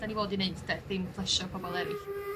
'dan ni fod i neud 'de dim plesio pobol eryll.